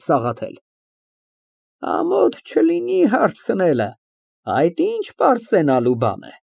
ՍԱՂԱԹԵԼ ֊ Ամոթ չլինի հարցնել ֊ այդ ի՞նչ պարծենալու բան է։